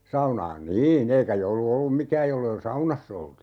saunaan niin eikä joulu ollut mikään jos ei - saunassa oltu